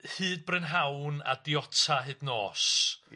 hyd brynhawn a diota hyd nôs.